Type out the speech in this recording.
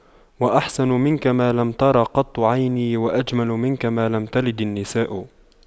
وأحسن منك لم تر قط عيني وأجمل منك لم تلد النساء